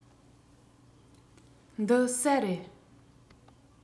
འདི ཟྭ རེད